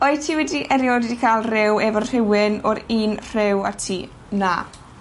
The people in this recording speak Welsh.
Wyt ti wedi eriod wedi ca'l ryw efo rhywun o'r un rhyw â ti? Na.